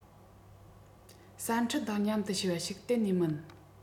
གསར འཕྲིན དང མཉམ དུ བྱས པ ཞིག གཏན ནས མིན